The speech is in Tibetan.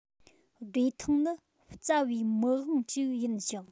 བདེ ཐང ནི རྩ བའི མི དབང ཞིག ཡིན ཞིང